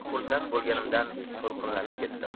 xursand bo'lganimdan to'lqinlanib ketdim